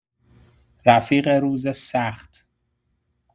رفیق روز سخت